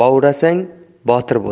bovrasang botir bo'lar